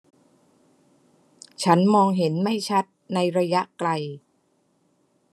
ฉันมองเห็นไม่ชัดในระยะไกล